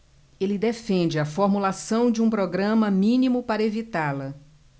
ele defende a formulação de um programa mínimo para evitá-la